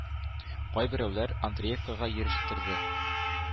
Кайберәүләр Андреевкага йөрештерде.